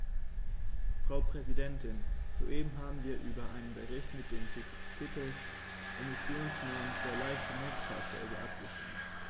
Frau Präsidentin, soeben haben wir über einen Bericht mit dem Titel "Emissionsnormen für leichte Nutzfahrzeuge" abgestimmt.